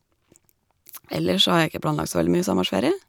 Ellers så har jeg ikke planlagt så veldig mye sommerferie.